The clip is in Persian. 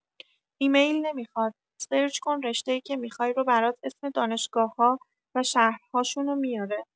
ایمیل نمیخواد، سرچ کن رشته‌ای که میخوای رو برات اسم دانشگاه‌‌ها و شهرهاشونو میاره